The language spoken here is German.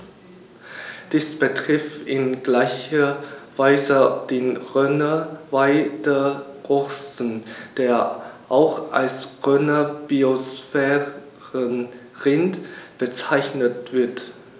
Dies betrifft in gleicher Weise den Rhöner Weideochsen, der auch als Rhöner Biosphärenrind bezeichnet wird.